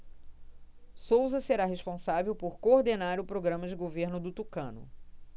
souza será responsável por coordenar o programa de governo do tucano